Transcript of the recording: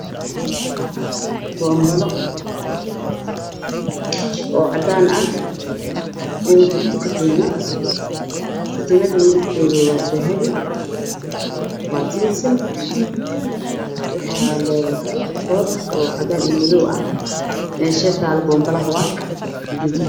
Boombalo oo cadaan ah ugu jirto katiinad dahabi ah